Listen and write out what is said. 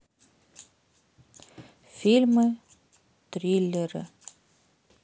фильмы триллеры